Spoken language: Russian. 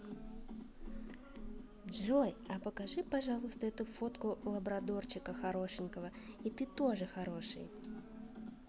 джой а покажи пожалуйста эту фотку лабрадорчика хорошенького и ты тоже хороший